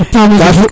a pama jofu